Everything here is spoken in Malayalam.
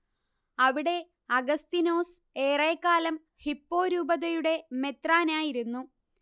അവിടെ അഗസ്തീനോസ് ഏറെക്കാലം ഹിപ്പോ രൂപതയുടെ മെത്രാനായിരുന്നു